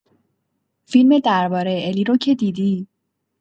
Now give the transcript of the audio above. فیلم دربارۀ الی رو که دیدی؟